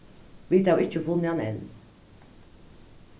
vit hava ikki funnið hann enn